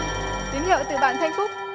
tín hiệu từ bạn thanh phúc